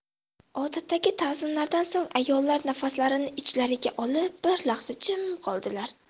odatdagi tazimlardan so'ng ayollar nafaslarini ichlariga olib bir lahza jim qoldilar